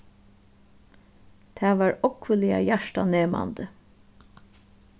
tað var ógvuliga hjartanemandi